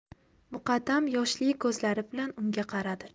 muqaddam yoshli ko'zlari bilan unga qaradi